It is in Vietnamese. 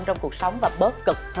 trong cuộc sống và bớt cực hơn